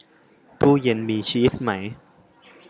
ตู้เย็็นมีชีสไหม